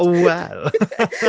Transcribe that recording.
Wel!